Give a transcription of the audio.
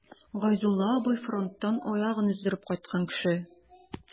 Гайзулла абый— фронттан аягын өздереп кайткан кеше.